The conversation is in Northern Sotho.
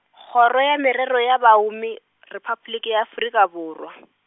Kgoro ya Merero ya Bahumi, Repabliki ya Afrika Borwa.